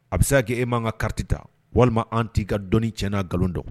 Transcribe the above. A be se ka kɛ e m'an ka carte ta walima an t'i ka dɔni tiɲɛ n'a nkalon dɔn